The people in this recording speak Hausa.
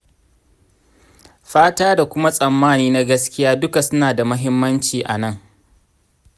fata da kuma tsammani na gaskiya duka suna da muhimmanci a nan.